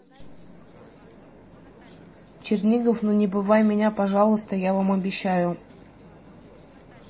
чернигов ну не бывай меня пожалуйста я вам обещаю